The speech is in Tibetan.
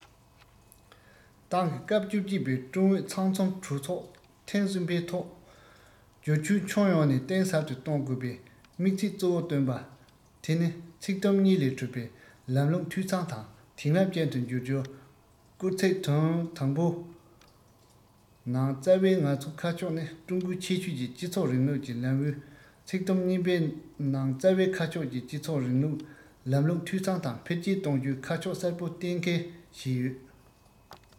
ཏང གི སྐབས བཅོ བརྒྱད པའི ཀྲུང ཨུ ཚང འཛོམས གྲོས ཚོགས ཐེངས གསུམ པའི ཐོག སྒྱུར བཅོས ཁྱོན ཡོངས ནས གཏིང ཟབ ཏུ གཏོང དགོས པའི དམིགས ཚད གཙོ བོ བཏོན པ དེ ནི ཚིག དུམ གཉིས ལས གྲུབ པའི ལམ ལུགས འཐུས ཚང དང དེང རབས ཅན དུ འགྱུར རྒྱུར སྐུལ ཚིག དུམ དང པོའི ནང རྩ བའི ང ཚོའི ཁ ཕྱོགས ནི ཀྲུང གོའི ཁྱད ཆོས ཀྱི སྤྱི ཚོགས རིང ལུགས ཀྱི ལམ བུའི ཚིག དུམ གཉིས པའི ནང རྩ བའི ཁ ཕྱོགས ཀྱི སྤྱི ཚོགས རིང ལུགས ལམ ལུགས འཐུས ཚང དང འཕེལ རྒྱས གཏོང རྒྱུའི ཁ ཕྱོགས གསལ པོ གཏན འཁེལ བྱས ཡོད